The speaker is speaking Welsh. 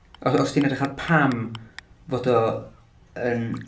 o- os ti'n edrych ar pam fod o yn...